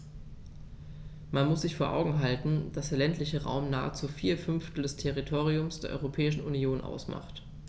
Man muss sich vor Augen halten, dass der ländliche Raum nahezu vier Fünftel des Territoriums der Europäischen Union ausmacht.